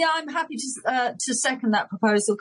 I'm happy to second that proposal.